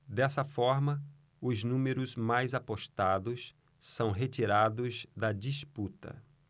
dessa forma os números mais apostados são retirados da disputa